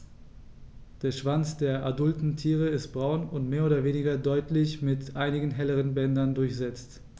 Der Schwanz der adulten Tiere ist braun und mehr oder weniger deutlich mit einigen helleren Bändern durchsetzt.